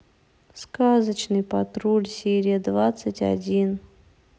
сказочный патруль серия двадцать один